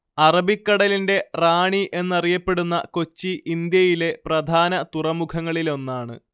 അറബിക്കടലിന്റെ റാണി എന്നറിയപ്പെടുന്ന കൊച്ചി ഇന്ത്യയിലെ പ്രധാന തുറമുഖങ്ങളിലൊന്നാണ്